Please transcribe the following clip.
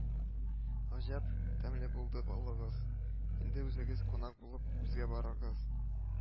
- гаҗәп тәмле булды балыгыз, инде үзегез кунак булып безгә барыгыз